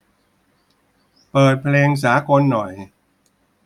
เปิดเพลงสากลหน่อย